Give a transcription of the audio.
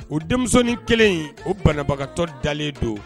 O denmisɛnnin kelen o banabagatɔ dalenlen don